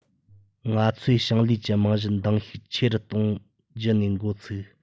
ང ཚོས ཞིང ལས ཀྱི རྨང གཞི འདིང ཤུགས ཆེ རུ གཏོང རྒྱུ ནས འགོ ཚུགས